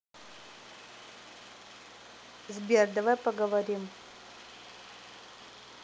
сбер давай поговорим